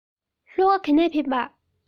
ལྷོ ཁ ག ནས ཕེབས པ